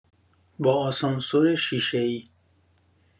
با آسانسور شیشه‌ای